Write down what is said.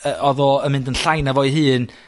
yy o'dd o yn mynd yn llai na fo'i hun